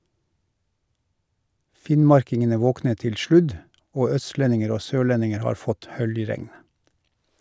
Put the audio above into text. Finnmarkingene våknet til sludd, og østlendinger og sørlendinger har fått høljregn.